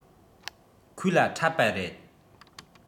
ཁོས ལ འཁྲབ པ རེད